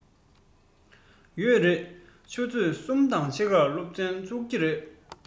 ཡོད རེད ཆུ ཚོད གསུམ དང ཕྱེད ཀར སློབ ཚན ཚུགས ཀྱི རེད